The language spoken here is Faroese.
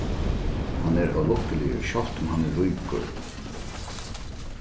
hann er ólukkuligur sjálvt um hann er ríkur